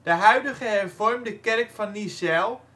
huidige hervormde kerk van Niezijl